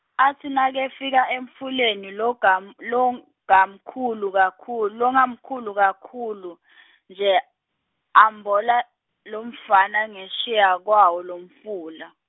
atsi nakefika emfuleni logam- longamkhulu kakhul-, longamkhulu kakhulu , nje, ambola, lomfana ngesheya kwawo lomfula.